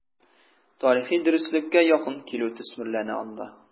Тарихи дөреслеккә якын килү төсмерләнә анда.